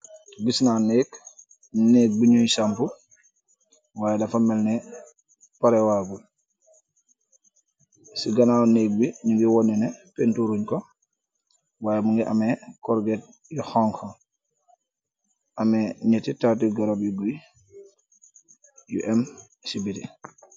Gisna nehgg, nehgg bu njui sampue, y dafa melni pareh waangut, cii ganaw nehgg bii njungy wohneh neh peintur rungh kor, y mungy ameh corgate yu honha, ameh njeti tarti garabi guiiy, yu emm cii biti.